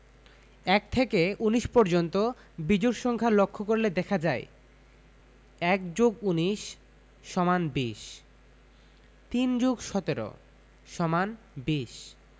১ থেকে ১৯ পর্যন্ত বিজোড় সংখ্যা লক্ষ করলে দেখা যায় ১+১৯=২০ ৩+১৭=২০